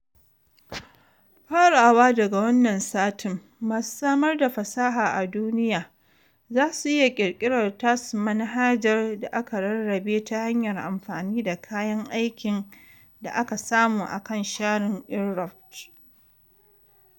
Farawa daga wannan satin, masu samar da fasaha a duniya za su iya ƙirƙirar tasu manhajar da aka rarrabe ta hanyar amfani da kayan aikin da aka samu akan shafin Inrupt.